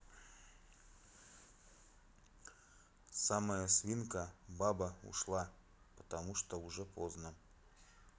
самая свинка баба ушла потому что уже поздно